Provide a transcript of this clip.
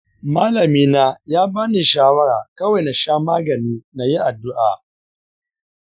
malamina ya bani shawara kawai nasha magani nayi addua.